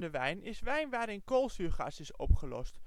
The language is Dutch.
wijn is wijn waarin koolzuurgas is opgelost